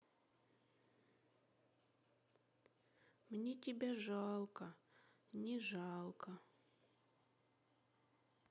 мне тебя жалко не жалко